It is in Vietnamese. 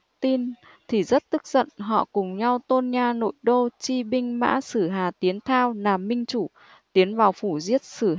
tin thì rất tức giận họ cùng nhau tôn nha nội đô tri binh mã sử hà tiến thao làm minh chủ tiến vào phủ giết sử